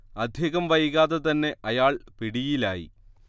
അധികം വൈകാതെ തന്നെ അയാൾ പിടിയിലായി